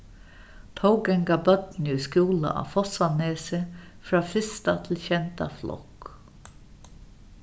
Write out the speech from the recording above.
tó ganga børnini í skúla á fossánesi frá fyrsta til sjeynda flokk